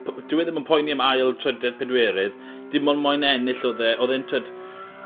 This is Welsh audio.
po- dyw e ddim yn poeni am ail trydedd pedwerydd dim on' moyn ennill odd e. Odd e'n t'wod